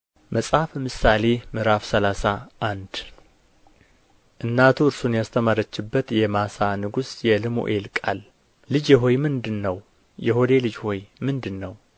መጽሐፈ ምሳሌ ምዕራፍ ሰላሳ አንድ እናቱ እርሱን ያስተማረችበት የማሣ ንጉሥ የልሙኤል ቃል ልጄ ሆይ ምንድር ነው የሆዴ ልጅ ሆይ ምንድር ነው